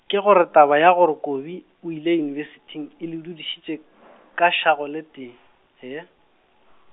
ke gore taba ya gore Kobi, o ile yunibesithing, e le dudišitše ka swago le tee, he.